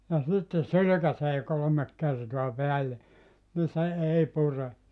ja sitten sylkäisee kolme kertaa päälle niin se ei pure